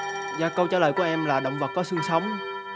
dạ câu trả lời của em là động vật có xương sống